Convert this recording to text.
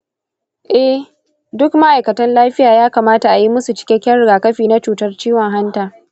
eh, duk ma'aikatan lafiya ya kamata a yi musu cikakken rigakafi na cutar ciwon hanta.